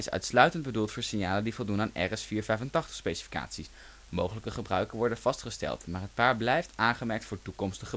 uitsluitend bedoeld voor signalen die voldoen aan RS-485 specificaties, mogelijke gebruiken worden vastgelegd maar het paar blijft aangemerkt " voor toekomstig